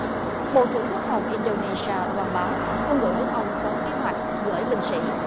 bộ trưởng quốc phòng in đô nê xi a loan báo quân đội nước ông có kế hoạch gửi binh sĩ